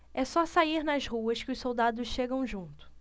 é só sair nas ruas que os soldados chegam junto